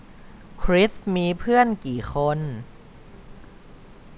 คริสมีเพื่อนกี่คน